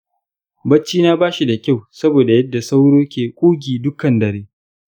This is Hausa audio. bacci na bashi da kyau saboda yadda sauro ke kugi dukkan dare.